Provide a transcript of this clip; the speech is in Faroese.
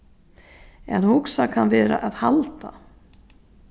at hugsa kann vera at halda